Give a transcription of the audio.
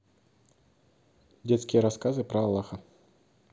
детские рассказы про аллаха